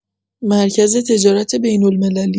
مرکز تجارت بین‌المللی